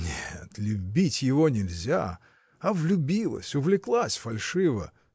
Нет — любить его нельзя — а влюбилась, увлеклась фальшиво.